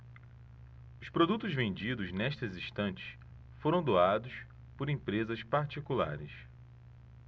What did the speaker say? os produtos vendidos nestas estantes foram doados por empresas particulares